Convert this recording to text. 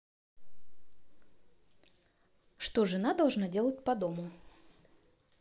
что жена должна делать по дому